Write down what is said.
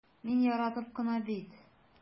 Мин яратып кына бит...